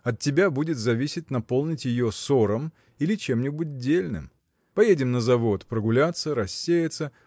от тебя будет зависеть наполнить ее сором или чем-нибудь дельным. Поедем на завод прогуляться рассеяться